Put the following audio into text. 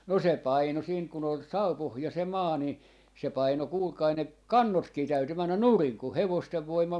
no se painoi siitä kun oli savupohja se maa niin se painoi kuulkaa ne kannotkin täytyi mennä nurin kun hevosten voimalla